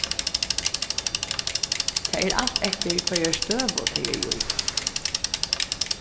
tað er alt eftir hvørjari støðu tey eru í